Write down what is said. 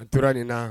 A tora nin na